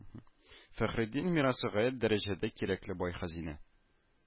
Фәхреддин мирасы гаять дәрәҗәдә кирәкле бай хәзинә